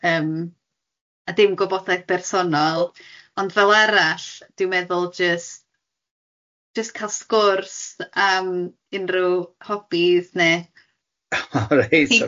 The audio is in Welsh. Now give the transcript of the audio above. Yym a dim gwybodaeth bersonol ond fel arall dwi'n meddwl jyst jyst cael sgwrs am unrhyw hobis neu... O reit ok.